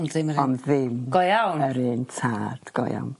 Ond dim yr un... Ond ddim... Go iawn? ...yr un tad go iawn.